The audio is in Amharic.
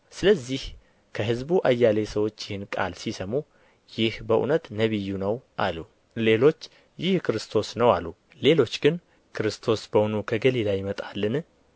ስለዚህ ከሕዝቡ አያሌ ሰዎች ይህን ቃል ሲሰሙ ይህ በእውነት ነቢዩ ነው አሉ ሌሎች ይህ ክርስቶስ ነው አሉ ሌሎች ግን ክርስቶስ በእውኑ ከገሊላ ይመጣልን